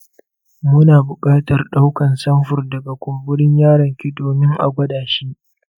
muna buƙatar ɗaukar samfur daga kumburin yaron ki domin a gwada shi